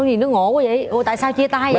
gì nó ngộ ý vậy ủa tại sao chia tay